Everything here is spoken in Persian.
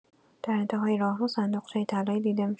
در انت‌های راهرو، صندوقچه‌ای طلایی دیده می‌شد.